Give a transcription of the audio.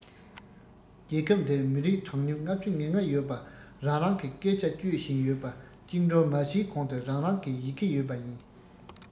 རྒྱལ ཁབ འདིར མི རིགས གྲངས ཉུང ༥༥ ཡོད པ རང རང གི སྐད ཆ སྤྱོད བཞིན ཡོད པ བཅིངས འགྲོལ མ བྱས གོང དུ རང རང གི ཡི གེ ཡོད པ ཡིན